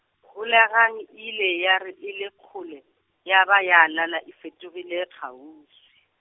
holegang e ile ya re e le kgole, ya ba ya lala e fetogile kgauswi.